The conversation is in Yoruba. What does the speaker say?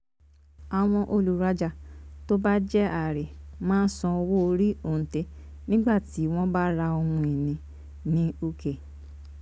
Àwọn olùrajà tó bá jẹ́ àrè máa san owó orí òǹtẹ̀ nígbàtí wọ́n bá ra ohun iní ní UK